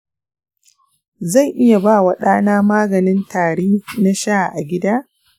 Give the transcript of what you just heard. zan iya ba wa ɗana maganin tari na sha a gida?